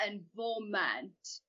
yn foment